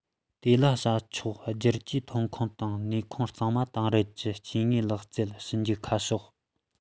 དེ ལ བྱ ཆོག བསྐྱར སྐྱེའི ཐོན ཁུངས དང ནུས ཁུངས གཙང མ དེང རབས ཀྱི སྐྱེ དངོས ལག རྩལ ཞིབ འཇུག ཁ ཕྱོགས